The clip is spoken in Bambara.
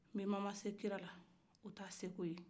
nbenba ma se kira la o ta se ko ye